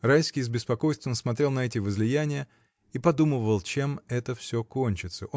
Райский с беспокойством смотрел на эти возлияния и подумывал, чем это всё кончится.